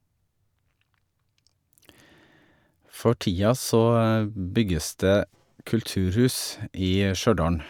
For tida så bygges det kulturhus i Stjørdalen.